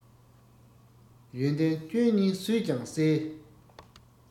ཡོན ཏན སྐྱོན གཉིས སུས ཀྱང གསལ